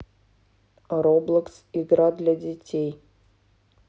роблокс игра для детей